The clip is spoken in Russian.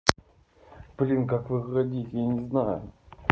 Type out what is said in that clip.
блин как выходить я не знаю